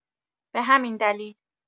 به همین دلیل